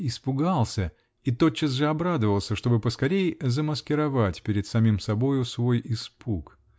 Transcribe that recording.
испугался -- и тотчас же обрадовался, чтобы поскорей замаскировать перед самим собою свой испуг.